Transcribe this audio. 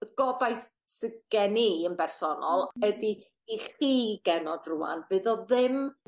y gobaith sy gen i yn bersonol ydi i chi genod rŵan fydd o ddim